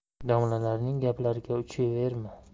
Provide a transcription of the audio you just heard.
domlalarning gaplariga uchaverma